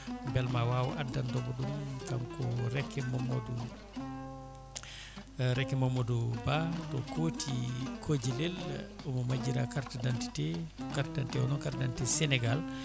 beel ma waaw addandemo ɗum kanko Raky Mamadou Raky Mamadou Ba to Kooti Kojilel omo majjira carte d' identité carte d' identité noon ko carte d' identité Sénégal